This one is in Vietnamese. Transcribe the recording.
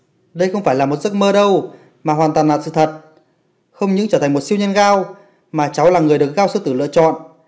đây không phải là mơ đâu không những trở thành siêu nhân gao mà cháu là người gao sư tử lựa chọn